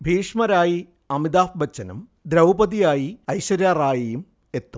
ഭീഷ്മരായി അമിതാഭ് ബച്ചനും ദ്രൗപതിയായി ഐശ്വര്യ റായിയും എത്തും